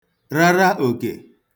rara òkè